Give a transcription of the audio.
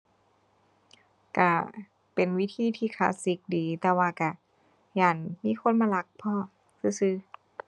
ก็เป็นวิธีที่ classic ดี แต่ว่าก็ย้านมีคนมาลักพอ ซื่อซื่อ